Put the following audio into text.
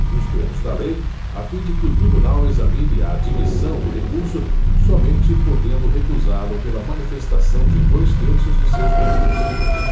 nos termos da lei a fim de que o tribunal examine a admissão do recurso somente podendo recusá lo pela manifestação de dois terços de seus membros